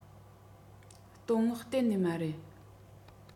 བསྟོད བསྔགས གཏན ནས མ རེད